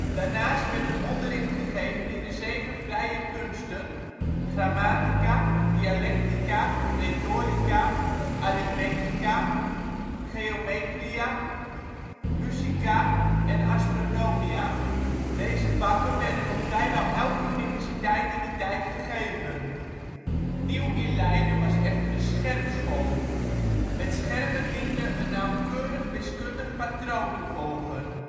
Daarnaast werd er onderricht gegeven in de zeven vrije kunsten (grammatica, dialectica, retorica, arithmetica, geometria, musica, astronomia) [bron?]. Deze vakken werden op vrijwel elke universiteit in die tijd gegeven. Nieuw in Leiden was echter de schermschool [bron?]. Het schermen diende een nauwkeurig wiskundig patroon te volgen